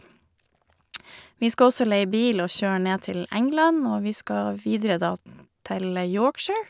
Vi skal også leie bil og kjøre ned til England, og vi skal videre da til Yorkshire.